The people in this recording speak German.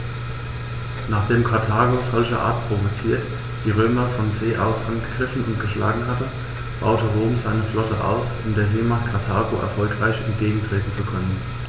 Nachdem Karthago, solcherart provoziert, die Römer von See aus angegriffen und geschlagen hatte, baute Rom seine Flotte aus, um der Seemacht Karthago erfolgreich entgegentreten zu können.